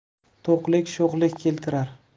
to'qlik sho'xlik keltirar